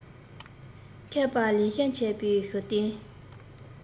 མཁས པ ལེགས བཤད འཆད པའི ཞུ རྟེན